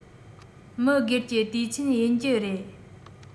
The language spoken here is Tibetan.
མི སྒེར གྱི དུས ཆེན ཡིན གྱི རེད